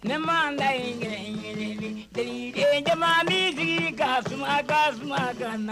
Ne ma bɛ ɲɛji b'i jigin ka suma ka suma